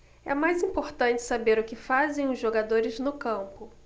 é mais importante saber o que fazem os jogadores no campo